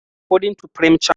According to Prem Chand: